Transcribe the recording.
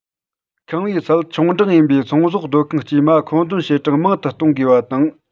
ཁང པའི ཚད ཆུང འབྲིང ཡིན པའི ཚོང ཟོག སྡོད ཁང དཀྱུས མ མཁོ འདོན བྱེད གྲངས མང དུ གཏོང དགོས པ དང